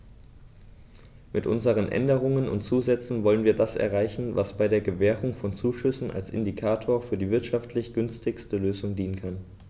Mit unseren Änderungen und Zusätzen wollen wir das erreichen, was bei der Gewährung von Zuschüssen als Indikator für die wirtschaftlich günstigste Lösung dienen kann.